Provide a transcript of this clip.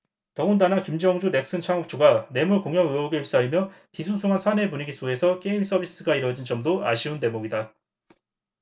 더군다나 김정주 넥슨 창업주가 뇌물 공여 의혹에 휩싸이며 뒤숭숭한 사내 분위기 속에서 게임 서비스가 이뤄진 점도 아쉬운 대목이다